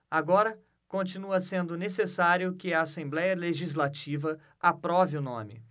agora continua sendo necessário que a assembléia legislativa aprove o nome